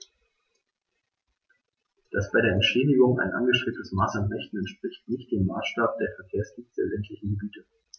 Das bei der Entschädigung angestrebte Maß an Rechten entspricht nicht dem Maßstab der Verkehrsdienste der ländlichen Gebiete.